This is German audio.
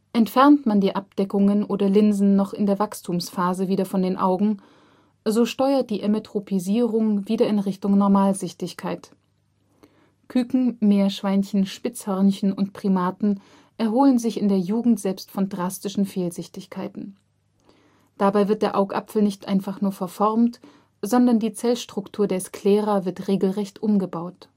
Entfernt man die Abdeckungen oder Linsen noch in der Wachstumsphase wieder von den Augen, so steuert die Emmetropisierung wieder in Richtung Normalsichtigkeit. Küken, Meerschweinchen, Spitzhörnchen und Primaten erholen sich in der Jugend selbst von drastischen Fehlsichtigkeiten. Dabei wird der Augapfel nicht einfach nur verformt, sondern die Zellstruktur der Sclera wird regelrecht umgebaut